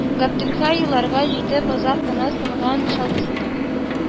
Габделхәй, еларга җитеп озак кына сынган чалгысына